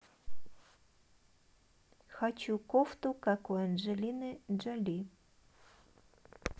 хочу кофту как у анджелины джоли